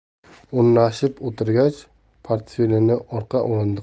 o'rnashib o'tirgach portfelini orqa o'rindiqqa